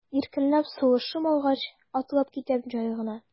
Иркенләп сулышым алгач, атлап китәм җай гына.